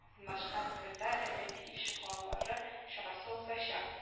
Урнашкан скверда “әдәби ишегаллары” чарасы узачак